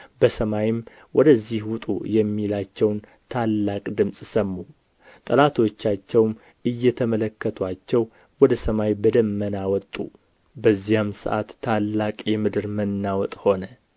በሰማይም ወደዚህ ውጡ የሚላቸውን ታላቅ ድምፅ ሰሙ ጠላቶቻቸውም እየተመለከቱአቸው ወደ ሰማይ በደመና ወጡ በዚያም ሰዓት ታላቅ የምድር መናወጥ ሆነ